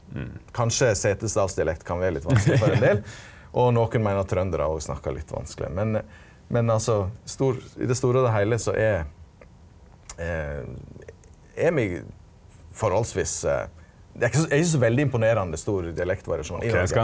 kanskje Setesdalsdialekt kan vere litt vanskeleg for ein del og nokon meiner trønderar òg snakkar litt vanskeleg men men altso i det store og det heile so er er me forholdsvis det det er ikkje so veldig imponerande stor dialektvariasjon i Noreg.